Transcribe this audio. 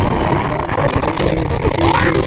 giúp đỡ cho kí kí kí kí